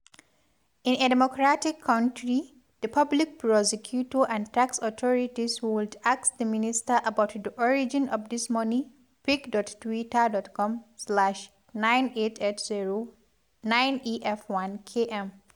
In a democratic country, the public prosecutor and tax authorities would ask the minister about the origin of this money pic.twitter.com/98809Ef1kM